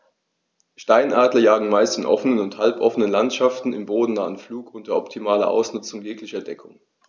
Steinadler jagen meist in offenen oder halboffenen Landschaften im bodennahen Flug unter optimaler Ausnutzung jeglicher Deckung.